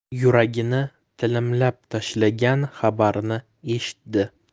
yuragini tilimlab tashlagan xabarni eshitdi